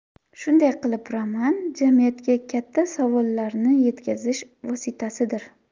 shunday qilib roman jamiyatga katta savollarni yetkazish vositasidir